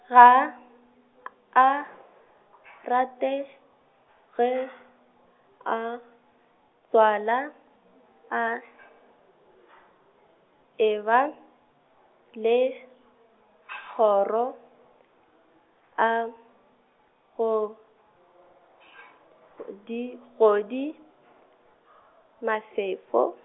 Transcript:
ga , a , rate, ge, a, tswala, a , eba, le, kgoro, a, go , di, godi, Mafefo.